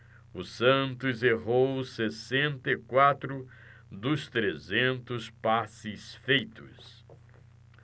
o santos errou sessenta e quatro dos trezentos passes feitos